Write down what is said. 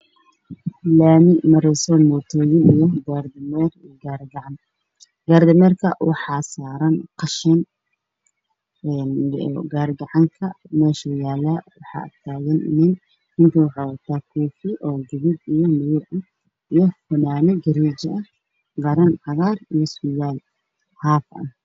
Halkaan waxaa ka muuqdo kareeto iyo dameerkeeda waxayna wataa jawaano wax ku jiraan waxaana hoos yaalo gaari gacan